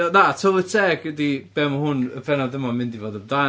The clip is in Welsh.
Na tylwyth teg ydi beth ma' hwn, y bennod yma, yn mynd i fod amdan.